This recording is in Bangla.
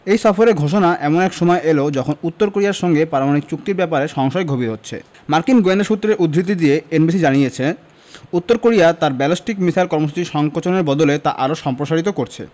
এই সফরের ঘোষণা এমন এক সময়ে এল যখন উত্তর কোরিয়ার সঙ্গে পারমাণবিক চুক্তির ব্যাপারে সংশয় গভীর হচ্ছে মার্কিন গোয়েন্দা সূত্রের উদ্ধৃতি দিয়ে এনবিসি জানিয়েছে উত্তর কোরিয়া তার ব্যালিস্টিক মিসাইল কর্মসূচি সংকোচনের বদলে তা আরও সম্প্রসারিত করছে